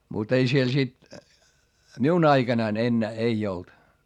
mutta ei siellä sitten minun aikanani enää ei ollut